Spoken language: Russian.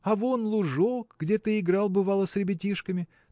А вон лужок, где ты играл, бывало, с ребятишками